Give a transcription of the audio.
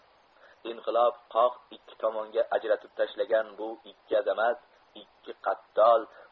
inqilob qoq ikki tomonga ajratib tashlagan bu ikki azamat ikki qattol